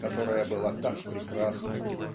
которая была так прекрасна".